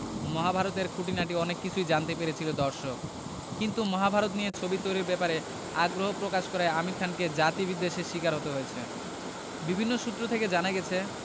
মহাভারত এর খুঁটিনাটি অনেক কিছু জানতে পেরেছিল দর্শক কিন্তু মহাভারত নিয়ে ছবি তৈরির ব্যাপারে আগ্রহ প্রকাশ করায় আমির খানকে জাতিবিদ্বেষের শিকার হতে হয়েছে বিভিন্ন সূত্র থেকে জানা গেছে